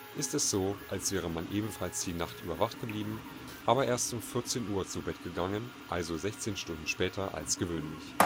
ist es so, als wäre man ebenfalls die Nacht über wach geblieben, aber erst um 14 Uhr zu Bett gegangen, also 16 Stunden später als gewöhnlich